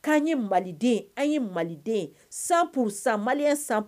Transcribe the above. Ye maliden an ye maliden san san mali san